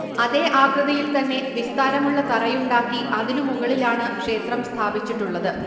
അതേ ആകൃതിയിൽ തന്നെ വിസ്താരമുള്ള തറയുണ്ടാക്കി അതിനു മുകളിലാണ് ക്ഷേത്രം സ്ഥാപിച്ചിട്ടുള്ളത്